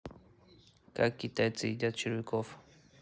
как китайцы едят червяков